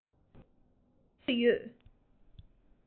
གོས དཀར ལྷ ཆེ བྱེད འདོད ཡོད